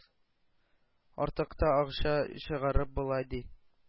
Артык та акча чыгарып була, ди.